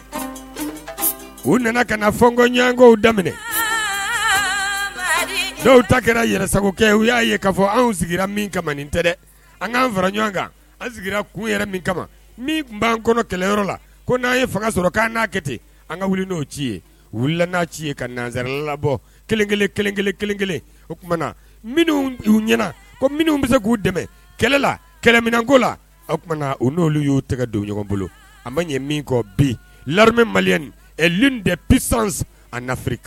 U nana ka daminɛ n u y'a ye k fɔ dɛ an fara ɲɔgɔn kan an kun kama tun b' anan kɔnɔ kɛlɛyɔrɔ la ko n' fanga sɔrɔ k' n kɛ ten an ka wuli n'o ci ye n ci ka nanzra labɔ kelen o minnu ɲɛna ko minnu bɛ se k'u dɛmɛ kɛlɛ la kɛlɛminko la oumana u n'olu y'o tɛgɛ don ɲɔgɔn bolo ma kɔ bi la mali dez kan